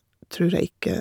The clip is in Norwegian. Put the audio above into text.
Tror jeg ikke.